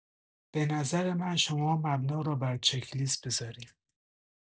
به نظر من شما مبنا رو بر چک‌لیست بذارین